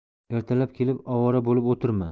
ertalab kelib ovora bo'lib o'tirma